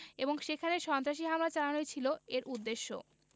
এবং সেখানে সন্ত্রাসী হামলা চালানোই ছিল এর উদ্দেশ্য